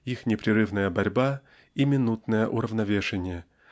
их непрерывная борьба и минутное уравновешение